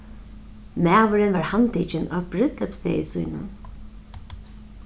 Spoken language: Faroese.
maðurin varð handtikin á brúdleypsdegi sínum